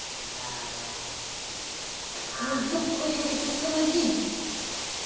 ну еб твою ведь установи